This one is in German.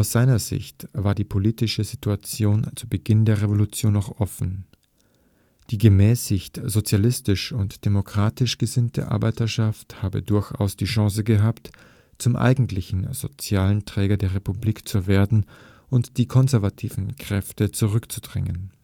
seiner Sicht war die politische Situation zu Beginn der Revolution noch offen: Die gemäßigt sozialistisch und demokratisch gesinnte Arbeiterschaft habe durchaus die Chance gehabt, zum eigentlichen sozialen Träger der Republik zu werden und die konservativen Kräfte zurückzudrängen